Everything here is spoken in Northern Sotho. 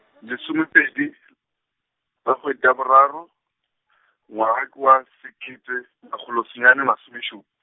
lesome pedi , ka kgwedi ya boraro, ngwaga ke wa sekete, makgolo senyane masome šup-.